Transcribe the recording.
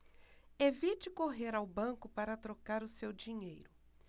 evite correr ao banco para trocar o seu dinheiro